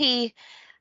chi